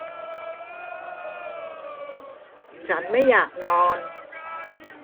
ฉันไม่อยากนอน